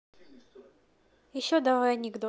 еще давай анекдот